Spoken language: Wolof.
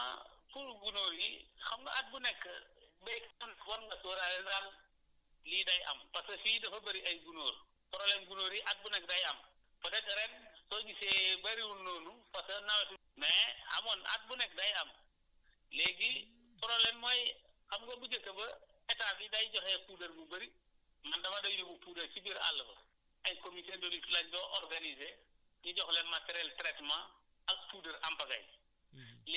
effectivement pour gunóor yi xam nga at bu nekk béykat war nga sóoraale wànq yi day am parce que fii dafa bëri ay gunóor problème gunóor yi at bu nekk day am peut être ren soo gisee bëriwul noonu parce que nawetut mais amoon at bu nekk day am léegi problème mooy xam nga bu njëkk ba état bi day joxe puudar bu bëri man dama doon puudar ci biir àll ba ay comité de lutte lañ doon organiser ñu jox leen matériels traitement ak puudar en pagaille